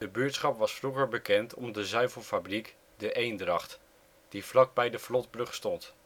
buurtschap was vroeger bekend om de zuivelfabriek " De Eendracht ", die vlakbij de vlotbrug stond